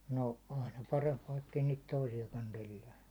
no aina parempi vaikka ei niitä toisiakaan tellää